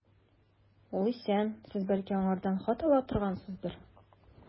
Ул исән, сез, бәлки, аңардан хат ала торгансыздыр.